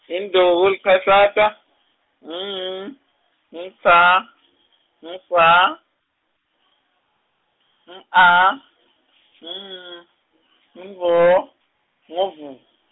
induku licashata ngu M ngu T ngu kwa ngu A ngu M ngu ngo ngu vhu-.